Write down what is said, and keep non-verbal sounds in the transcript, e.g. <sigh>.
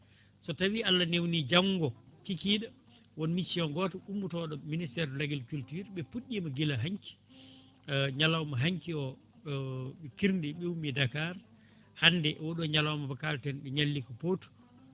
so tawi Allah newni janno kikiɗe won mission goto ummotoɗo ministére de l' agriculture ɓe puɗɗima guila hankki <hesitation> ñalawma hanki o <hesitation> ɓe kirdi ɓe ummi Dakar hande oɗo ñalawma mo kalten ɓe ñalli ko Pout